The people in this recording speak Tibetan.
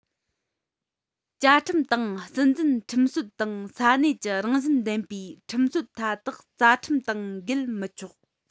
བཅའ ཁྲིམས དང སྲིད འཛིན ཁྲིམས སྲོལ དང ས གནས ཀྱི རང བཞིན ལྡན པའི ཁྲིམས སྲོལ མཐའ དག རྩ ཁྲིམས དང འགལ མི ཆོག